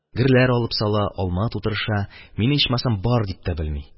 Герләр алып сала, алма тутырыша, мине ичмасам бар дип тә белми.